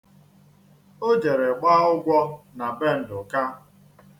O jere gbaa ụgwọ na be Ndụka.